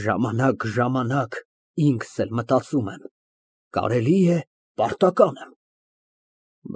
Ժամանակ֊ժամանակ ինքս էլ մտածում եմ, կարելի է պարտական եմ։